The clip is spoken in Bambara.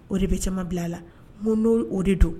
O de bɛ caman bila a la mun n'o o de don